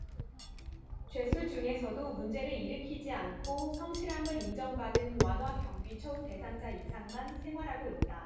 죄수 중에서도 문제를 일으키지 않고 성실함을 인정받은 완화경비 처우 대상자이상만 생활하고 있다